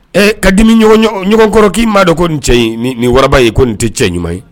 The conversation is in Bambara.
Ɛ ka dimi ɲɔgɔnkɔrɔ k'i m maa de ko nin cɛ in nin wara ye ko nin tɛ cɛ ɲuman ye